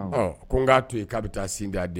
Awɔ ɔ ko n g'a to ye k'a be taa sin d'a den